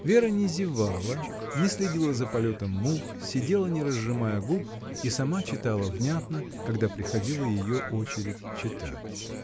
Вера не зевала, не следила за полетом мух, сидела, не разжимая губ, и сама читала внятно, когда приходила ее очередь читать.